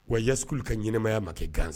Wa yas kul ka ɲɛnamaya ma kɛ ganzan